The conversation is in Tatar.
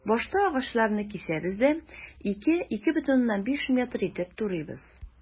Башта агачларны кисәбез дә, 2-2,5 метр итеп турыйбыз.